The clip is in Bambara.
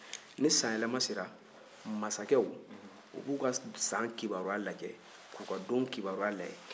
ni san yɛlɛmana masakɛw u b'u ka san kibaruya lajɛ k'u ka don kibaruya lajɛ